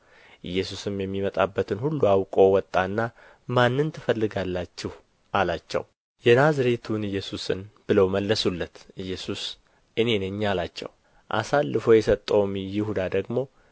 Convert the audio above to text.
ኢየሱስም የሚመጣበትን ሁሉ አውቆ ወጣና ማንን ትፈልጋላችሁ አላቸው የናዝሬቱን ኢየሱስን ብለው መለሱለት ኢየሱስ እኔ ነኝ አላቸው አሳልፎ የሰጠውም ይሁዳ ደግሞ